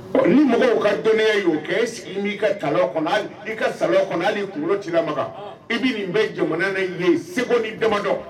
Ɔ ni mɔgɔw ka dɔnniiya y' oo kɛ b'i ka sa ka sa kɔnɔ hali kunkolo ci ma i bɛ nin bɛ jamana ye segu ni damadɔ